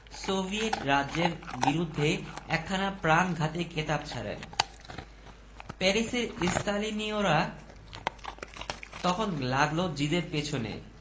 সেইটে আমি বিচক্ষণ জনের চক্ষু গোচর করতে চাই ধনীর মেহন্নতের ফল হল টাকা সে ফল যদি কেউ জ্ঞানীর হাতে তুলে দেয়